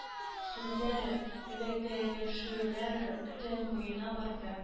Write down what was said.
Сүзләр, вәгъдәләшүләр төн буена барды.